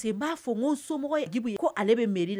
B'a fɔ n somɔgɔ di ko ale bɛ mi la